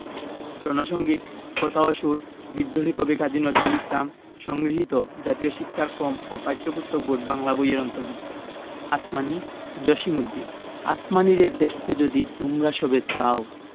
রন সঙ্গীত কথা ও সুর বিদ্রোহী কবি কাজী নজরুল ইসলাম সংগৃহীত জাতীয় শিক্ষাক্রম ও পাঠ্যপুস্তক বোর্ড বাংলা বই এর অন্তর্ভুক্ত আসমানী জসিমউদ্দিন আসমানীরে দেখতে যদি তোমরা সবে চাও